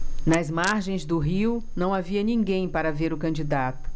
nas margens do rio não havia ninguém para ver o candidato